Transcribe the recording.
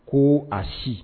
Ko ayi